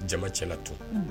Jama tiɲɛna tun unh